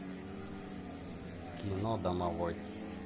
кино домовой